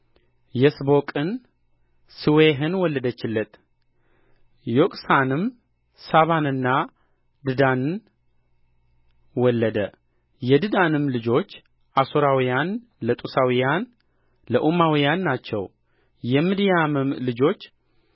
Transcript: የስቦቅን ስዌሕን ወለደችለት ዮቅሳንም ሳባንና ድዳንን ወለደ የድዳንም ልጆች አሦርያውያን ለጡሳውያን ለኡማውያን ናቸው የምድያምም ልጆች